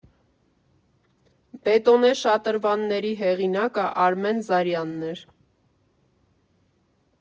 Բետոնե շատրվանների հեղինակը Արմեն Զարյանն էր։